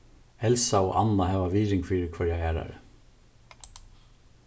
elsa og anna hava virðing fyri hvørjari aðrari